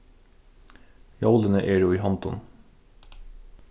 jólini eru í hondum